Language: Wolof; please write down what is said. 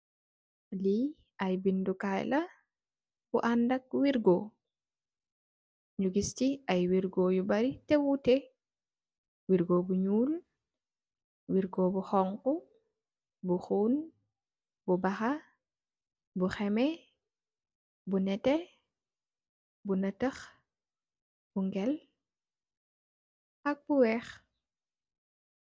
Lii ay Bindu kaay la bu andë ak wirgoo. Ñu gis ci wirgoo yu bëri te wooteh. Wirgoo bu ñuul, bu bulo, bu xoñxu, bu xuun, bu baxa, bu xemme, bu nétte,b nëttëx, bu angel, ak bu weex.